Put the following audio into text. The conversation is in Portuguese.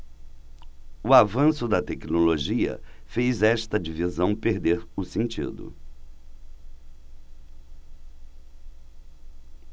o avanço da tecnologia fez esta divisão perder o sentido